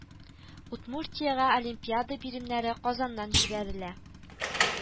Удмуртиягә олимпиада биремнәре Казаннан җибәрелә